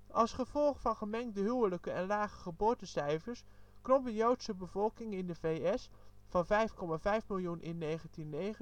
Als gevolg van gemengde huwelijken en lage geboortencijfers, kromp de joodse bevolking in de V.S. van 5,5 miljoen in 1990 tot 5,1